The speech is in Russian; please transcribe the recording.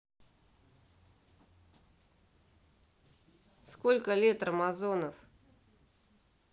сколько лет рамазонов